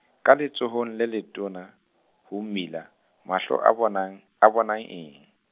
ka letsohong le letona, ho mmila, mahlo a bonang, a bonang eng?